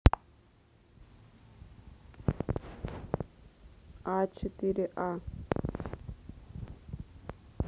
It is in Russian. а четыре а